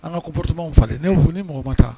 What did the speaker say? An ka comportement falen ni mɔgɔ ma taa